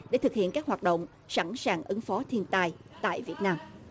để thực hiện các hoạt động sẵn sàng ứng phó thiên tai tại việt nam